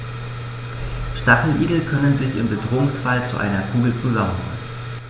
Stacheligel können sich im Bedrohungsfall zu einer Kugel zusammenrollen.